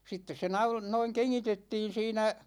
sitten se - noin kengitettiin siinä